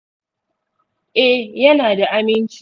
eh, yana da aminci.